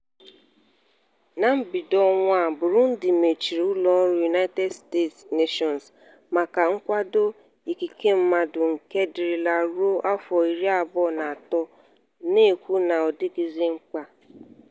Na mbido ọnwa a, Burundi mechiri ụlọọrụ United Nations maka nkwado ikike mmadụ nke dirila ruo afọ 23, na-ekwu na ọ dịghịzi mkpa.